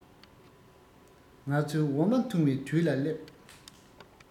ང ཚོས འོ མ འཐུང བའི དུས ལ སླེབས